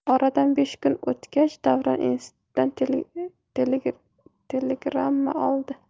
oradan besh kun o'tgach davron institutdan telegramma oldi